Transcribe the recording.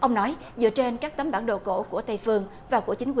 ông nói dựa trên các tấm bản đồ cổ của tây phương và của chính